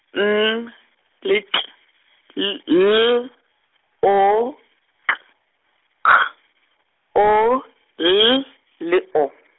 N le T, le L, O, K, G, O, L, le O.